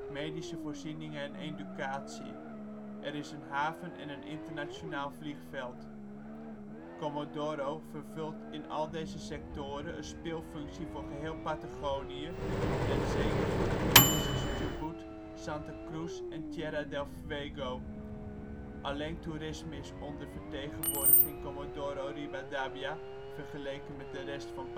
medische voorzieningen, educatie heeft een haven en een internationaal vliegveld. Comodoro vervult in al deze sectoren een spilfunctie voor geheel Patagonië en zeker voor de provincies Chubut, Santa Cruz en Tierra del Fuego. Alleen toerisme is ondervertegenwoordigd in Comodoro Rivadavia vergeleken met de rest van Patagonië